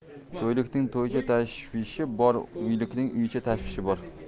to'ylikning to'ycha tashvishi bor uylikning uycha tashvishi bor